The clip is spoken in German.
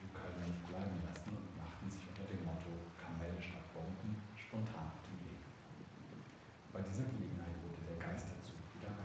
Kölner nicht bleiben lassen und machten sich unter dem Motto " Kamelle statt Bomben " spontan auf den Weg. Bei dieser Gelegenheit wurde der Geisterzug wieder